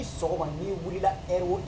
I sɔgɔma n wili e'